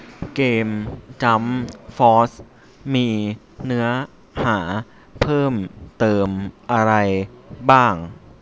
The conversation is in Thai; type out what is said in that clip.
เกมจั้มฟอสมีเนื้อหาเพิ่มเติมอะไรบ้าง